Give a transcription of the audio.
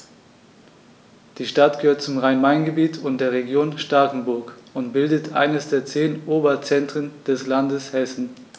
Die Stadt gehört zum Rhein-Main-Gebiet und der Region Starkenburg und bildet eines der zehn Oberzentren des Landes Hessen.